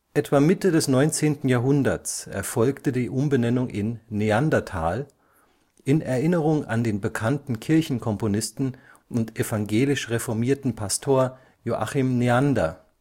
Etwa Mitte des 19. Jahrhunderts erfolgte die Umbenennung in „ Neanderthal “, in Erinnerung an den bekannten Kirchenkomponisten und evangelisch-reformierten Pastor Joachim Neander